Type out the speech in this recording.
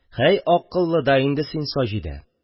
Һәй, акыллы да инде син, Саҗидә!